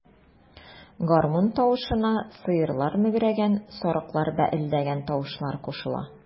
Гармун тавышына сыерлар мөгрәгән, сарыклар бәэлдәгән тавышлар кушыла.